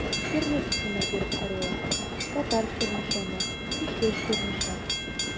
Төрле исемнәр биреп карыйлар: Татар Чирмешәне, Кече Чирмешән.